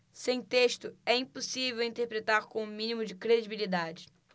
sem texto é impossível interpretar com o mínimo de credibilidade